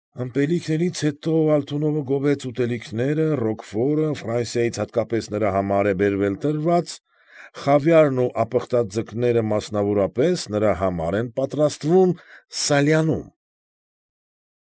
Ըմպելիքներից հետո Ալթունովը գովեց ուտելիքները, ռոկֆորը Ֆրանսիայի հատկապես նրա համար է բերել տված, խավիարն ու ապխտած ձկներն մասնավորապես նրա համար են պատրաստված Սալյանում։